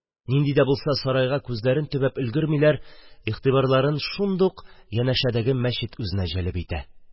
Нинди дә булса сарайга күзләрен төбәп өлгермиләр, игътибарларын шундук янәшәдәге мәчет үзенә җәлеп итә